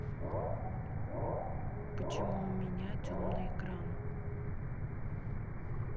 почему у меня темный экран